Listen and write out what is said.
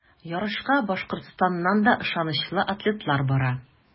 Ярышка Башкортстаннан да ышанычлы атлетлар бара.